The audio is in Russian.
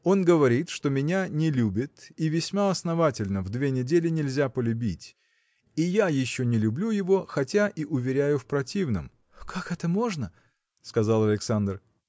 Он говорит, что меня не любит – и весьма основательно в две недели нельзя полюбить и я еще не люблю его хотя и уверяю в противном. – Как это можно? – сказал Александр.